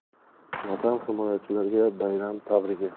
vatan himoyachilariga bayram tabrigi